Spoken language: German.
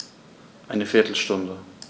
Eine viertel Stunde